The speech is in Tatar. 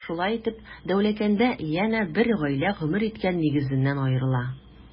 Шулай итеп, Дәүләкәндә янә бер гаилә гомер иткән нигезеннән аерыла.